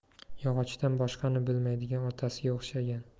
yog'ochdan boshqani bilmaydigan otasiga o'xshagan